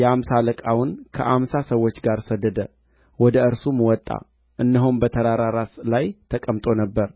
ይህንስ ቃል የነገራችሁ ሰው መልኩ ምን ይመስላል አላቸው እነርሱም ሰውዮው ጠጕራም ነው